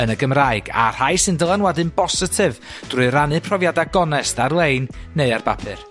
yn y Gymraeg, a rhai sy'n dylanwadu'n bositif drwy rannu profiadau gonest ar-lein neu ar bapur.